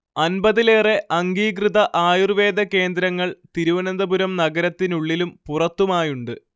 അൻപതിലേറെ അംഗീകൃത ആയൂർവേദ കേന്ദ്രങ്ങൾ തിരുവനന്തപുരം നഗരത്തിനുള്ളിലും പുറത്തുമായുണ്ട്